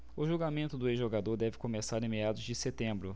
o julgamento do ex-jogador deve começar em meados de setembro